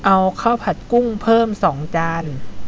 เอาข้าวผัดกุ้งเพิ่มสองจาน